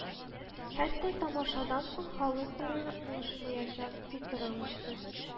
Хәтта тамашадан соң халык таралышмыйча, фикер алышты